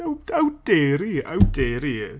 How dare he. How dare he!